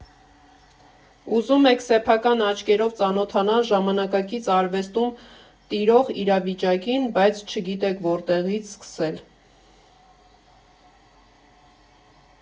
Ուզում եք սեփական աչքերով ծանոթանալ ժամանակից արվեստում տիրող իրավիճակին, բայց չգիտեք որտեղի՞ց սկսել։